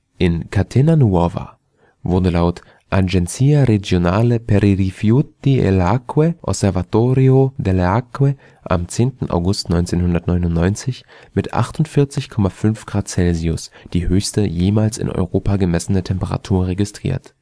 In Catenanuova wurde laut Agenzia Regionale per i Rifiuti e le Acque – Osservatorio delle Acque am 10. August 1999 mit 48,5 °C die höchste jemals in Europa gemessene Temperatur registriert